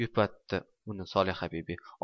yupatdi uni solihabibi